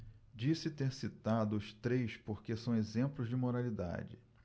disse ter citado os três porque são exemplos de moralidade